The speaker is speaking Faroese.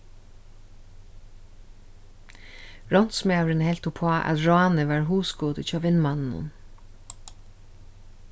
ránsmaðurin helt uppá at ránið var hugskotið hjá vinmanninum